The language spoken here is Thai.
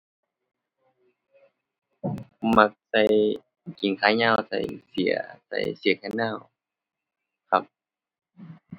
มักใส่กางเกงขายาวใส่เสื้อ ใส่เสื้อแขนยาวครับ